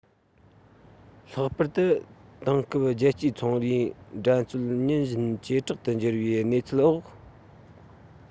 ལྷག པར དུ དེང སྐབས རྒྱལ སྤྱིའི ཚོང རའི འགྲན རྩོད ཉིན བཞིན ཇེ དྲག ཏུ འགྱུར བའི གནས ཚུལ འོག